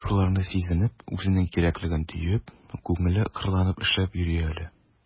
Шуларны сизенеп, үзенең кирәклеген тоеп, күңеле кырланып эшләп йөри әле...